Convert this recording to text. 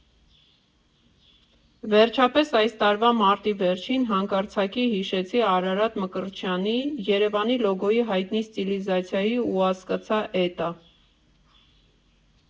Վերջապես այս տարվա մարտի վերջին հանկարծակի հիշեցի Արարատ Մկրտչյանի՝ Երևանի լոգոյի հայտնի ստիլիզացիայի ու հասկացա՝ էդ ա։